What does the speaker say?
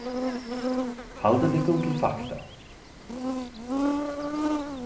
haldið tykkum til fakta